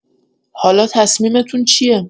حالا تصمیمتون چیه؟